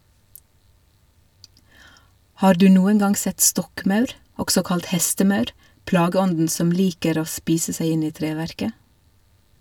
Har du noen gang sett stokkmaur, også kalt hestemaur, plageånden som liker å spise seg inn i treverket?